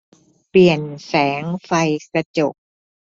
เปลี่ยนแสงไฟกระจก